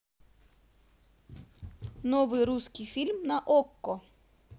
новые русские фильмы на окко